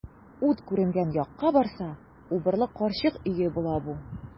Ут күренгән якка барса, убырлы карчык өе була бу.